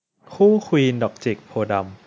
คู่ควีนดอกจิกโพธิ์ดำ